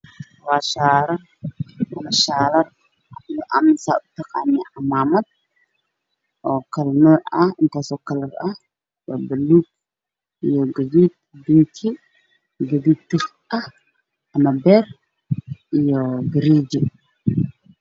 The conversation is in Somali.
Waa shaar iyo cimaamad oo kalaro badan leh sida buluug, gaduud, beer iyo gariije.